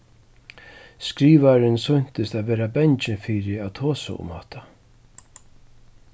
skrivarin sýntist at vera bangin fyri at tosa um hatta